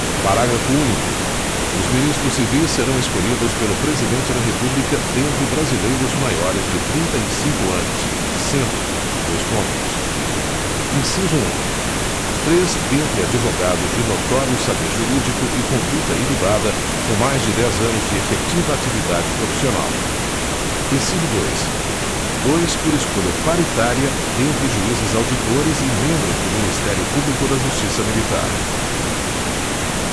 parágrafo único os ministros civis serão escolhidos pelo presidente da república dentre brasileiros maiores de trinta e cinco anos sendo dois pontos inciso um três dentre advogados de notório saber jurídico e conduta ilibada com mais de dez anos de efetiva atividade profissional inciso dois dois por escolha paritária dentre juízes auditores e membros do ministério público da justiça militar